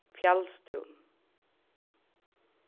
fjalstún